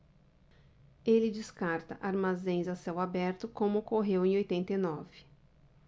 ele descarta armazéns a céu aberto como ocorreu em oitenta e nove